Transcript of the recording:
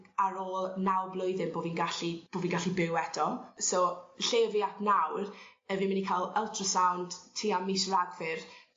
ar ôl naw blwyddyn bo' fi'n gallu bo' fi gallu byw eto so lle fi at nawr yy fi myn' i ca'l ultrasound tua mis Ragfyr